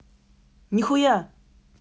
нихуя